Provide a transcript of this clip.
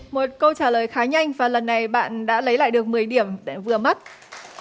một câu trả lời khá nhanh và lần này bạn đã lấy lại được mười điểm để vừa mất